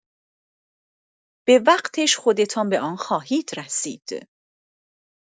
به وقتش خودتان به آن خواهید رسید.